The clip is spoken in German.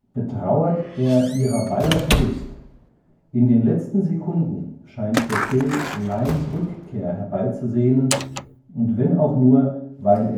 betrauert er ihrer beider Verlust. In den letzten Sekunden scheint der Film Limes Rückkehr herbeizusehnen, und wenn auch nur, weil